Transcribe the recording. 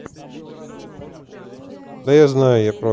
да я знаю я просто